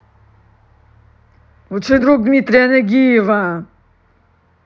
лучший друг дмитрия нагиева